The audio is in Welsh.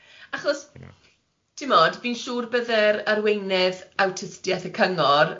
Achos timod, fi'n siŵr bydde'r arweinydd awtistieth y cyngor.